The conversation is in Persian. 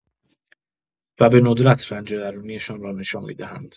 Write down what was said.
و به‌ندرت رنج درونی‌شان را نشان می‌دهند.